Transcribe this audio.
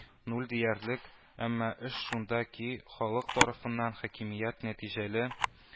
Нуль диярлек, әмма эш шунда ки, халык тарафыннан хакимият нәтиҗәле